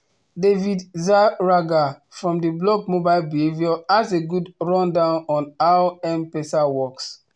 David Zarraga, from the blog Mobile Behavior has a good rundown on how M-Pesa works.